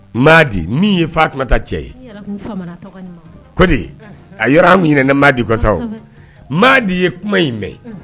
Ma di min ye fa kuma ta cɛ ye ko de a yɔrɔ an ɲinin ne ma di kɔsɔn maadi ye kuma in mɛn